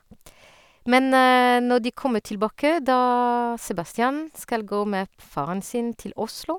Men når de kommer tilbake, da Sebastian skal gå med p faren sin til Oslo.